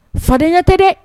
Fadenya ɲɛ tɛ dɛ